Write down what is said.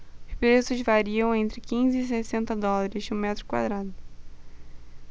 os preços variam entre quinze e sessenta dólares o metro quadrado